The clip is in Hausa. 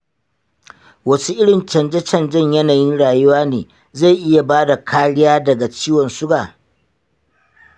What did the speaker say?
wasu irin canje canjen yanayin rayuwa ne zai iya bada kariya daga ciwon siga?